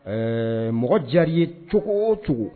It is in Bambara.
Ɛɛ mɔgɔ diyara ye cogo o cogo